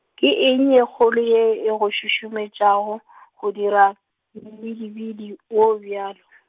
ke eng ye kgolo ye e go šušumetšago , go dira mmidibidi wo bjalo ?